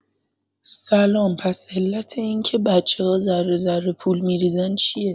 سلام پس علت اینکه بچه‌ها ذره‌ذره پول می‌ریزن چیه